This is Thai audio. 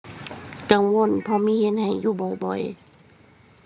กังวล เพราะมีเห็นให้อยู่บ่อยบ่อย